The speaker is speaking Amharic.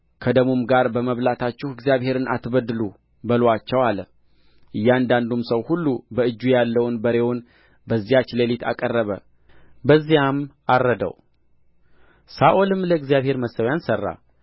ከደሙም ጋር በመብላታችሁ እግዚአብሔርን አትበድሉ በሉአቸው አለው እያንዳንዱም ሰው ሁሉ በእጁ ያለውን በሬውን በዚያች ሌሊት አቀረበ በዚያም አረደው ሳኦልም ለእግዚአብሔር መሠዊያን ሠራ